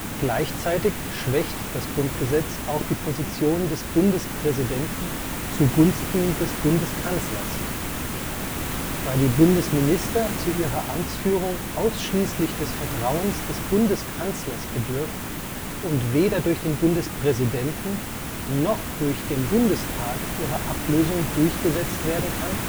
Gleichzeitig schwächt das Grundgesetz auch die Position des Bundespräsidenten zu Gunsten des Bundeskanzlers. Da die Bundesminister zu ihrer Amtsführung ausschließlich des Vertrauens des Bundeskanzlers bedürfen und weder durch den Bundespräsidenten noch durch den Bundestag ihre Ablösung durchgesetzt werden kann